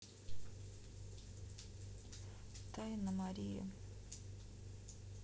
тайна мария